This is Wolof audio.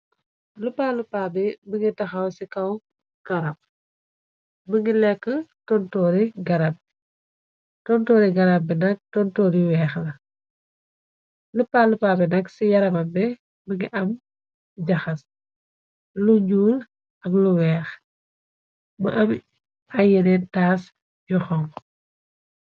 Lu paalupaabi bi ngi taxaw ci kaw garab, bi ngi lekk onoori garab, b tontoori garab bi nag tontoor yi weex la, lu palupaabi nag ci yaramabe bi ngi am jaxas lu nuul ak lu weex, bu am ayyeneen taas yoxon.